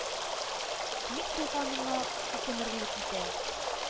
– ник туганыңа үкенерлек итә.